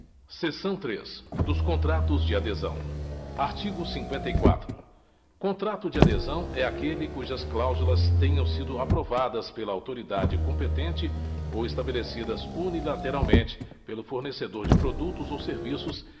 seção três dos contratos de adesão artigo cinquenta e quatro contrato de adesão é aquele cujas cláusulas tenham sido aprovadas pela autoridade competente ou estabelecidas unilateralmente pelo fornecedor de produtos ou serviços